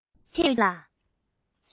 ད བཟོད ཁྱོད ལ